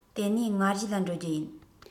དེ ནས མངའ རིས ལ འགྲོ རྒྱུ ཡིན